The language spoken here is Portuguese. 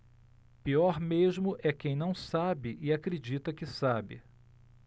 pior mesmo é quem não sabe e acredita que sabe